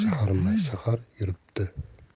shaharma shahar yuribdi